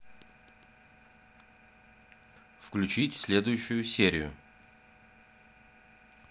включить следующую серию